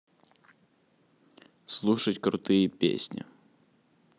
слушать крутые песни